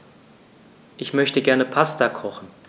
Ich möchte gerne Pasta kochen.